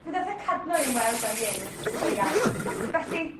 fe ddath y cadno i ymweld a'r ieir dros y Gaea felly